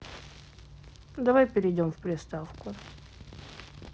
давай перейдем в приставку